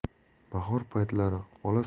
bahor paytlari ola